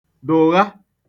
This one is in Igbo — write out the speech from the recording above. dụ̀gha